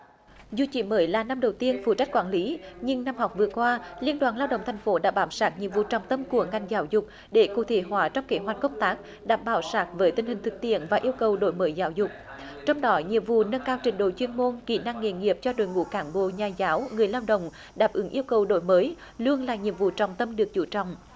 dù chỉ mới là năm đầu tiên phụ trách quản lý nhưng năm học vừa qua liên đoàn lao động thành phố đã bám sát nhiệm vụ trọng tâm của ngành giáo dục để cụ thể hóa trong kế hoạch công tác đảm bảo sát với tình hình thực tiễn và yêu cầu đổi mới giáo dục trong đó nhiệm vụ nâng cao trình độ chuyên môn kỹ năng nghề nghiệp cho đội ngũ cán bộ nhà giáo người lao động đáp ứng yêu cầu đổi mới luôn là nhiệm vụ trọng tâm được chú trọng